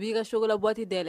B'i so sogokala la bɔti da la